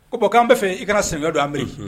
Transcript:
Ko k'an bɛ fɛ i kana sɛnɛ don an bɛri